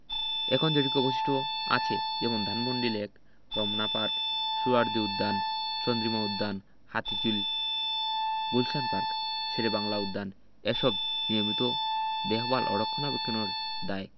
এখন যেটুকু অবশিষ্ট আছে যেমন ধানমন্ডি লেক রমনা পার্ক সোহ্রাওয়ার্দী উদ্যান চন্দ্রিমা উদ্যান হাতিরঝিল গুলশান পার্ক শেরেবাংলা উদ্যান এসব নিয়মিত দেখভাল ও রক্ষণাবেক্ষণের দায়